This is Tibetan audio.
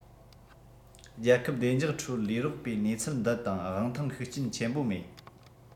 རྒྱལ ཁབ བདེ འཇགས ཁྲུའུ ལས རོགས པའི ནུས ཚད འདི དང དབང ཐང ཤུགས རྐྱེན ཆེན པོ མེད